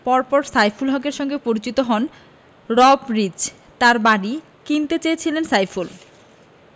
পরপর সাইফুল হকের সঙ্গে পরিচিত হন রব রিজ তাঁর বাড়ি কিনতে চেয়েছিলেন সাইফুল